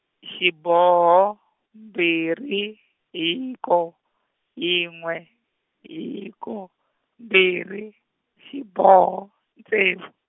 xiboho mbirhi hiko yin'we hiko mbirhi xiboho ntsevu.